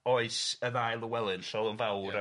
Oes y ddau Lywelyn, Llywelyn fawr